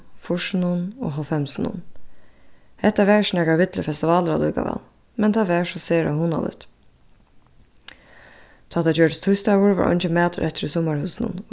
fýrsunum og hálvfemsunum hetta var ikki nakar villur festivalur allíkavæl men tað var so sera hugnaligt tá tað gjørdist týsdagur var eingin matur eftir í summarhúsinum